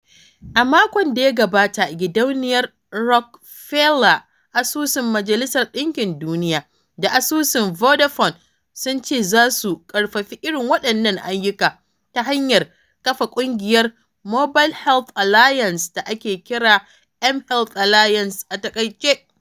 A makon da ya gabata, Gidauniyar Rockefeller, Asusun Majalisar Dinkin Duniya, da Asusun Vodafone sun ce za su ƙarfafi irin waɗannan ayyuka ta hanyar kafa ƙungiyar Mobile Health Alliance da ake kira (mHealth Alliance) a taƙaice.